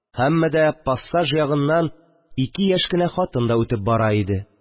Һәммә дә пассаж ягыннан ике яшь кенә хатын да үтеп бара иде